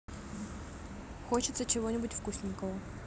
хочется чего нибудь вкусненького